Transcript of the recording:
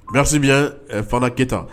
Nasi bɛ fana kɛ tan